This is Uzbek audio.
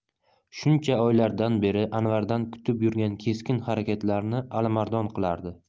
shuncha oylardan beri anvardan kutib yurgan keskin harakatlarni alimardon qilardi